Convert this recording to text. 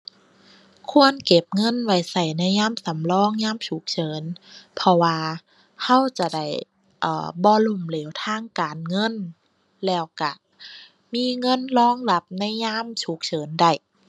ควรเก็บเงินไว้ใช้ในยามสำรอง ยามฉุกเฉิน เพราะว่าใช้จะได้ เอ่อ บ่ล้มเหลวทางการเงิน แล้วใช้มีเงินรองรับในยามฉุกเฉินได้